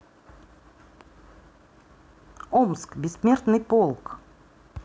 омск бессмертный полк